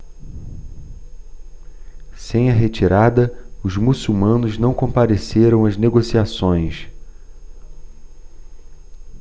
sem a retirada os muçulmanos não compareceram às negociações